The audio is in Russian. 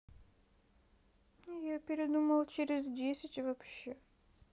я передумал через десять вообще